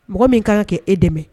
Mɔgɔ min ka kan ka e dɛmɛ.